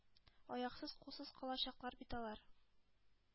Аяксыз-кулсыз калачаклар бит алар?